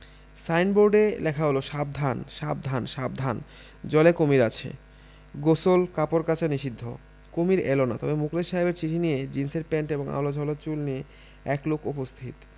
সাইনবোর্ডে লেখা হল সাবধান সাবধান সাবধান জলে কুমীর আছে গোসল কাপড় কাচা নিষিদ্ধ কুমীর এল না তবে মুখলেস সাহেবের চিঠি নিয়ে জীনসের প্যান্ট এবং আউলা ঝাউলা চুল নিয়ে এক লোক উপস্থিত